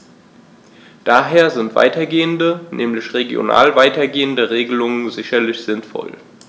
Daher sind weitergehende, nämlich regional weitergehende Regelungen sicherlich sinnvoll.